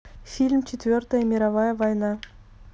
фильм четвертая мировая война